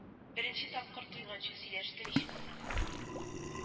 Беренче тапкыр туйганчы сөйләштем ичмасам